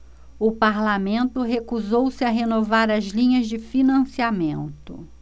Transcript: o parlamento recusou-se a renovar as linhas de financiamento